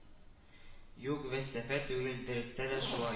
Юк, вәсвәсә түгел, дөрестә дә шулай.